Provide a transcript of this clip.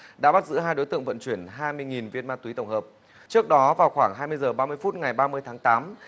đã bắt giữ hai đối tượng vận chuyển hai mươi nghìn viên ma túy tổng hợp trước đó vào khoảng hai mươi giờ ba mươi phút ngày ba mươi tháng tám